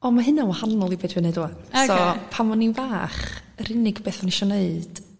O ma' hyna'n wahanol i be dwi neud wan so pan oni'n fach yr unig beth o'n isio neud